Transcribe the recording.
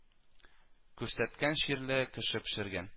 Күрсәткән чирле кеше пешергән